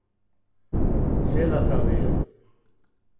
selatraðvegur